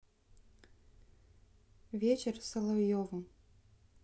вечер с соловьевым